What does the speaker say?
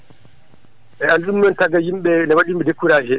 eyyi ɗum noon ne taga yimɓeɓe ne waɗi ɗum découragé